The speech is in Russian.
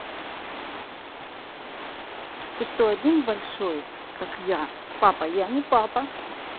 ты что один большой как я папа я не папа